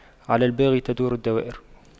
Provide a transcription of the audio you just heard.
على الباغي تدور الدوائر